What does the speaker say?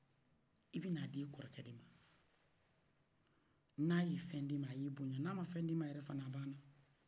i b'in'a d'i kɔrɔkɛ de ma n'a fɛ d'i ma a y'i bɔɲan n'a fɛ d'i ma yɛrɛ fɔnɔ a bana